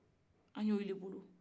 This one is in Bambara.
a ye olu de bolo